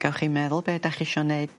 gewch chi meddwl be' 'dach chi isio neud